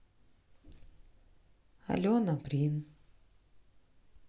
алена брин